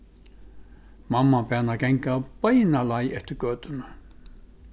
mamman bað hana ganga beina leið eftir gøtuni